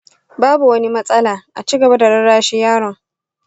babu wani matsala, a ci gaba da rarrashi yaron